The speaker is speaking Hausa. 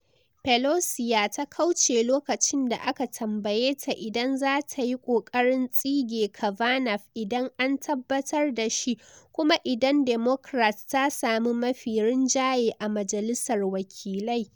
Pelosi ya ta kauce lokacin da aka tambaye ta idan za ta yi kokarin tsige Kavanaugh idan an tabbatar da shi, kuma idan Democrat ta sami mafi rinjaye a majalisar wakilai.